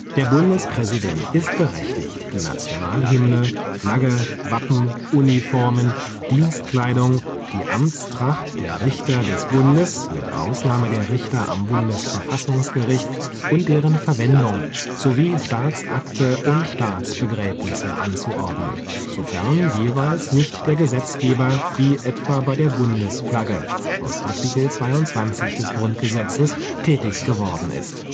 Der Bundespräsident ist berechtigt, die Nationalhymne, Flagge, Wappen, Uniformen, Dienstkleidung, die Amtstracht der Richter des Bundes (mit Ausnahme der Richter am Bundesverfassungsgericht) und deren Verwendung, sowie Staatsakte und Staatsbegräbnisse anzuordnen, sofern jeweils nicht der Gesetzgeber wie etwa bei der Bundesflagge (Art. 22 Grundgesetz) tätig geworden ist